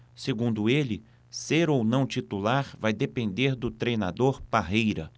segundo ele ser ou não titular vai depender do treinador parreira